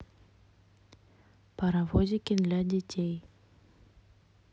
паровозики для детей